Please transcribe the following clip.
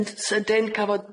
Yn sydyn cafodd-